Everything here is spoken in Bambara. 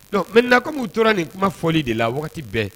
Don mɛ na kɔmiw tora nin kuma fɔli de la bɛɛ